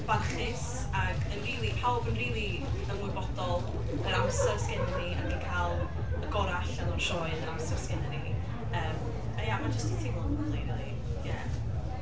Barchus ac yn rili pawb yn rili ymwybodol yr amser sy' gennyn ni ac yn cael y gorau allan o'r sioe yn yr amser sy gennyn ni. Yym a ia, ma' jyst 'di teimlo'n lyfli rili, ie.